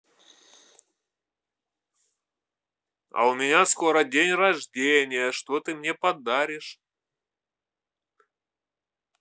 а у меня скоро день рождения что ты мне подаришь